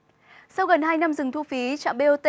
sau gần hai năm dừng thu phí trạm bot